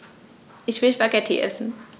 Ich will Spaghetti essen.